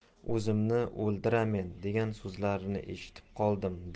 o'zimni o'ldiramen degan so'zlarini eshitib qoldim